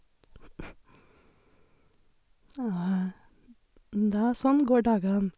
Og da sånn går dagene.